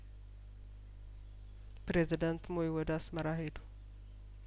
ፕሬዝዳንት ሞይወደ አስመራ ሄዱ